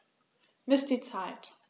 Miss die Zeit.